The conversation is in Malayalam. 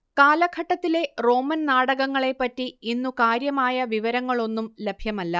കാലഘട്ടത്തിലെ റോമൻ നാടകങ്ങളെപ്പറ്റി ഇന്നു കാര്യമായ വിവരങ്ങളൊന്നും ലഭ്യമല്ല